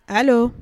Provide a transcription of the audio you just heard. Hali